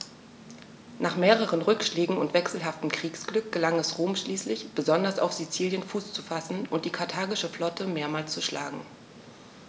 Nach mehreren Rückschlägen und wechselhaftem Kriegsglück gelang es Rom schließlich, besonders auf Sizilien Fuß zu fassen und die karthagische Flotte mehrmals zu schlagen.